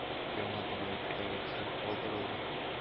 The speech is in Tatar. Яңа проектта бу төшереп калдырылды.